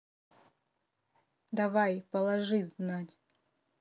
давай положи знать